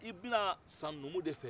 i bɛ n'a san numu de fɛ